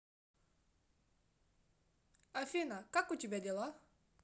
афина как у тебя дела